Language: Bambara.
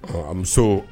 Ɔ a muso